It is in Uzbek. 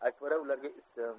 akbara ularga ism